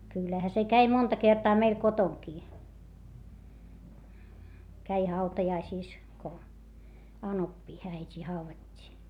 kyllähän se kävi monta kertaa meillä kotonakin kävi hautajaisissa kun anopin äitiä haudattiin